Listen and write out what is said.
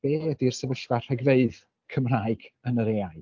Be ydy'r sefyllfa rhegfeydd Cymraeg yn yr AI